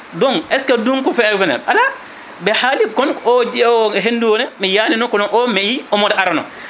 ɗum est ce que ɗum ko few hone ala ɓe haali kono ko jeewowo ko hendune mi yiyani no kono o mi yii omona arana